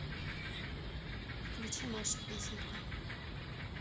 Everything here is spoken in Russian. включи маша песенка